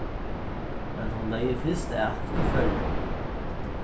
men hon legði fyrst at í føroyum